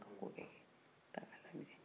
ka ko bɛɛ kɛ k'a ka laminɛ